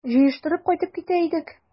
Җыештырып кайтып китә идек...